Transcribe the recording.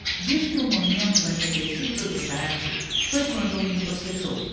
diz que o momento mais agressivo do debate foi quando alguém bocejou